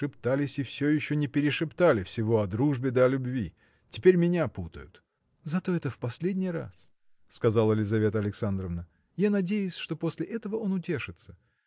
шептались и все еще не перешептали всего о дружбе да о любви теперь меня путают. – Зато это в последний раз – сказала Лизавета Александровна – я надеюсь что после этого он утешится.